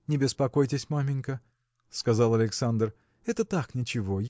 – Не беспокойтесь, маменька, – сказал Александр, – это так, ничего!